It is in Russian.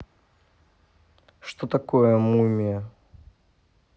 что такое мумия